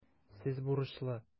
Сез бурычлы.